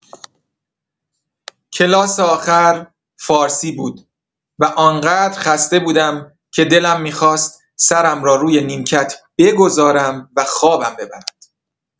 کلاس آخر فارسی بود و آن‌قدر خسته بودم که دلم می‌خواست سرم را روی نیمکت بگذارم و خوابم ببرد.